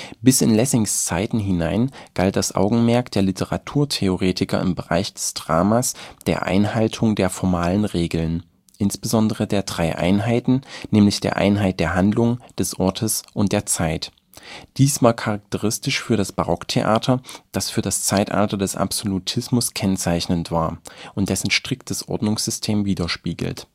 Bis in Lessings Zeiten hinein galt das Augenmerk der Literaturtheoretiker im Bereich des Dramas der Einhaltung der formalen Regeln, insbesondere der Drei Einheiten, nämlich der Einheit der Handlung, des Ortes und der Zeit. Dies war charakteristisch für das Barocktheater, das für das Zeitalter des Absolutismus kennzeichnend war und dessen striktes Ordnungssystem widerspiegelt